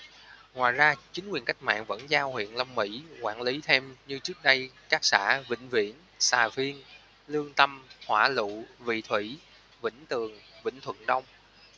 ngoài ra chính quyền cách mạng vẫn giao huyện long mỹ quản lý thêm như trước đây các xã vĩnh viễn xà phiên lương tâm hỏa lựu vị thủy vĩnh tường vĩnh thuận đông